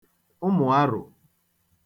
ụmụ̀arụ̀